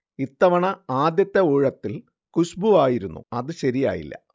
ഇത്തവണ ആദ്യത്തെ ഊഴത്തിൽ ഖുശ്ബുവായിരുന്നു. അത് ശരിയായില്ല